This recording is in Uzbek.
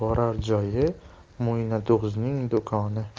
borar joyi mo'ynado'zning do'koni